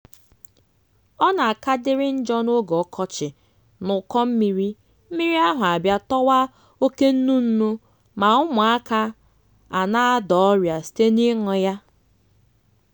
Ọ na-akadịrị njọ n'oge ọkọchị n'ụkọ mmiri; mmiri ahụ a bịa tọwa oke nnunnu, ma ụmụaka a na-ada ọrịa site n'ịṅụ ya.